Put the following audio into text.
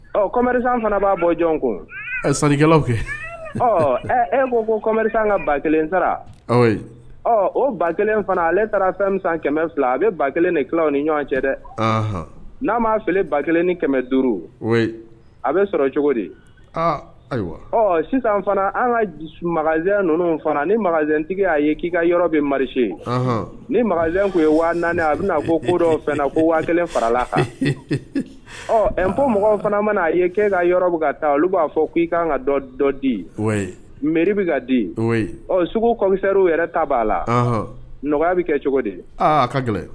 Ɔmri fana b'a bɔ jɔn ko e ko kori ka ba kelen sara ɔ o ba kelen fana ale taara fɛn san kɛmɛ fila a bɛ ba kelen de ni ɲɔgɔn cɛ dɛ n'a m' feere ba kelen ni kɛmɛ duuru a bɛ sɔrɔ cogo de sisan fana an ka ninnu fana niɛntigi'a ye k'i ka yɔrɔ bɛ mari ye ni tun ye waa a bɛ ko ko dɔ ko waa kelen farala ɔ ko mɔgɔ fana mana a ye kɛ ka yɔrɔbu ka taa olu b'a fɔ ko i k ka kan ka dɔ dɔ di mi bɛ ka di kɔmikisɛw yɛrɛ ta b'a la nɔgɔya bɛ kɛ cogo de ye